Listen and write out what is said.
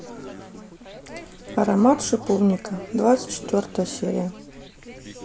аромат шиповника двадцать четвертая серия